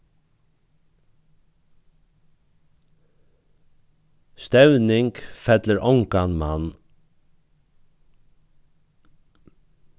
stevning fellir ongan mann